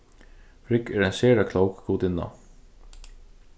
frigg er ein sera klók gudinna